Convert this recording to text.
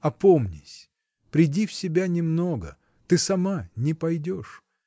Опомнись, приди в себя немного: ты сама не пойдешь!